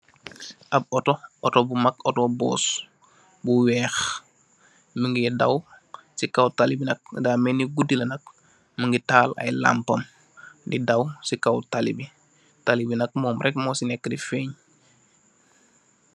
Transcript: am otto otto bumak otto bus bu weex mingi daw ci kaw talie bi nak dah melne gudi la nak mingi tall ay lam pam talibe nak mom rek mu ci feen.